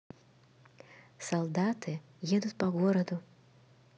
солдаты едят по городу